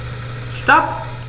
Stop.